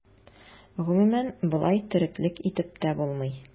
Гомумән, болай тереклек итеп тә булмый.